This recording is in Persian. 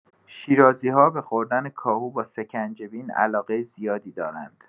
شیرازی‌ها به خوردن کاهو با سکنجبین علاقه زیادی دارند.